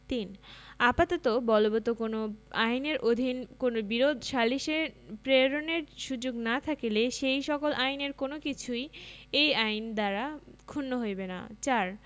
৩ আপাতত বলবৎ অন্য কোন আইনের অধীন কোন বিরোধ সালিসে প্রেরণের সুযোগ না থাকিলে সেই সকল আইনের কোন কিছুই এই আইন দ্বারা ক্ষুণ্ণ হইবে না ৪